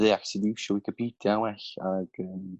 i ddeall sud i iwiso Wicipidia yn well ag yym